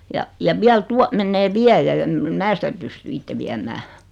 ja ja vielä tuo menee viejä ja en en minä sitä pysty itse viemään